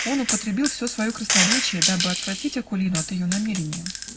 Он употребил все свое красноречие, дабы отвратить Акулину от ее намерения